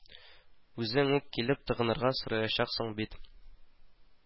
Үзең үк килеп тыгынырга сораячаксың бит